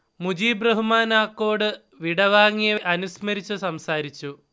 മുജീബ് റഹ്മാൻ ആക്കോട് വിടവാങ്ങിയവരെ അനുസ്മരിച്ച് സംസാരിച്ചു